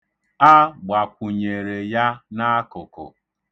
A gbakwunyere ya n'akụkụ.